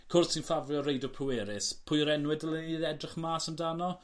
Cwrs sy'n ffafrio reidio pwerus. Pwy yw'r enwe dylen ni edrych mas amdano?